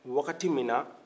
wagati min na